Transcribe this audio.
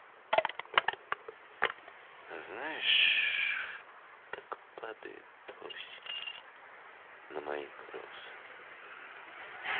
а знаешь как падает осень на мои кроссы